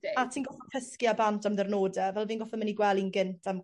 A ti'n goffod cysgu e bant am dirnode fel fi'n goffod myn' i gwely'n gynt am